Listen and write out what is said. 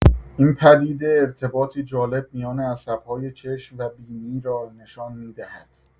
این پدیده ارتباطی جالب میان عصب‌های چشم و بینی را نشان می‌دهد.